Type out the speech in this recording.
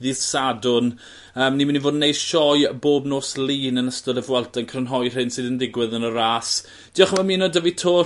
ddydd Sadwrn yym ni myn' i fod yn neud sioe bob nos lun yn ystod y Vuelta yn crynhoi'r hyn sydd yn digwydd yn y ras. Diolch am ymuno 'da fi 'to...